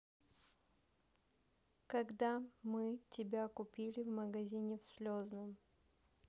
когда мы тебя купили в магазине в слезном